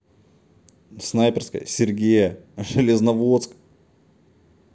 спикерская сергея железноводск